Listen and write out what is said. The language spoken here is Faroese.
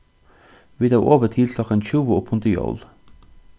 vit hava opið til klokkan tjúgu upp undir jól